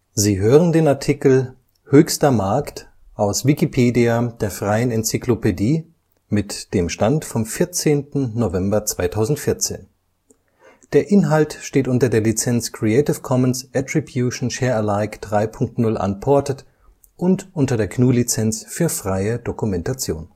Sie hören den Artikel Höchster Markt, aus Wikipedia, der freien Enzyklopädie. Mit dem Stand vom Der Inhalt steht unter der Lizenz Creative Commons Attribution Share Alike 3 Punkt 0 Unported und unter der GNU Lizenz für freie Dokumentation